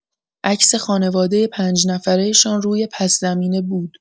عکس خانوادۀ پنج‌نفره‌شان روی پس‌زمینه بود.